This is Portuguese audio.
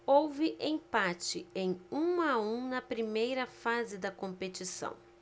houve empate em um a um na primeira fase da competição